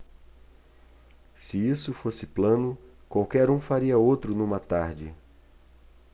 se isso fosse plano qualquer um faria outro numa tarde